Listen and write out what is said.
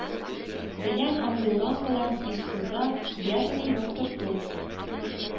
Белән андый лампалар тиз туза, ягъни яктырту